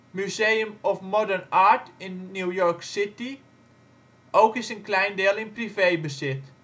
Museum of Modern Art in New York City Ook is een klein deel in privébezit